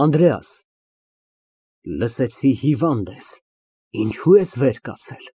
ԱՆԴՐԵԱՍ ֊ Լսեցի հիվանդ ես, ինչո՞ւ ես վեր կացել։